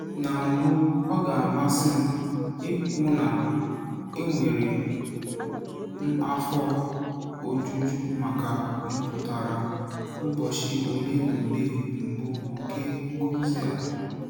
Na mbụ, ọ ga-amasị m ikwu na enwere m afọ ojuju maka mpụtara ụbọchị ole na ole mbụ nke nkụzi a.